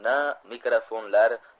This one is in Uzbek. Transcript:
na mikrofon lar